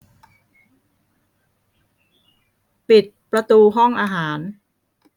ปิดประตูห้องอาหาร